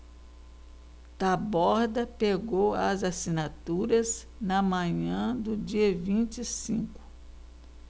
taborda pegou as assinaturas na manhã do dia vinte e cinco